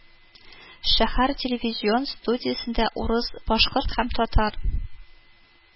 Шәһәр телевизион студиясендә урыс, башкорт һәм татар